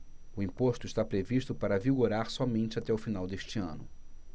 o imposto está previsto para vigorar somente até o final deste ano